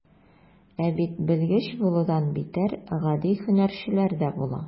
Ә бит белгеч булудан битәр, гади һөнәрчеләр дә була.